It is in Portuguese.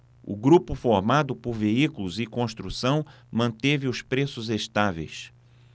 o grupo formado por veículos e construção manteve os preços estáveis